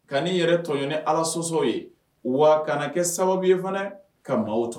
Kai yɛrɛ tɔ ye ni ala sososɔ ye wa kana kɛ sababu ye fana ka mɔgɔw ta